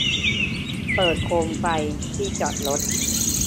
เปิดโคมไฟที่จอดรถ